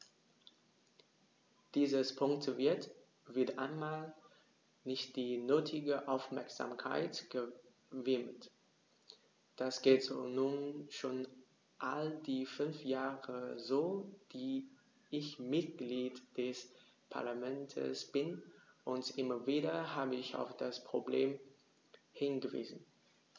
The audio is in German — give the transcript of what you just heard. Diesem Punkt wird - wieder einmal - nicht die nötige Aufmerksamkeit gewidmet: Das geht nun schon all die fünf Jahre so, die ich Mitglied des Parlaments bin, und immer wieder habe ich auf das Problem hingewiesen.